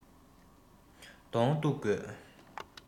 གདོང གཏུག དགོས